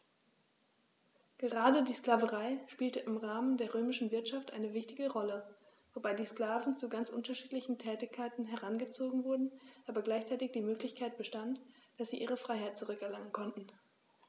Gerade die Sklaverei spielte im Rahmen der römischen Wirtschaft eine wichtige Rolle, wobei die Sklaven zu ganz unterschiedlichen Tätigkeiten herangezogen wurden, aber gleichzeitig die Möglichkeit bestand, dass sie ihre Freiheit zurück erlangen konnten.